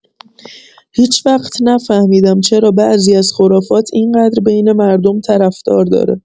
هیچوقت نفهمیدم چرا بعضی از خرافات این‌قدر بین مردم طرفدار داره.